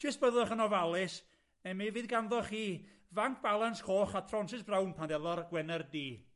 Jyst byddwch yn ofalus, neu mi fydd ganddoch chi fanc balans coch a thronsys brown pan delo'r Gwener Du.